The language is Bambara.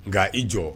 Nka i jɔ